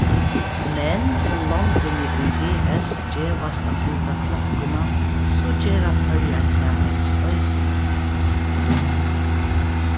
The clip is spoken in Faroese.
men um londini í es gevast at flyta klokkuna so gera føroyar tað helst eisini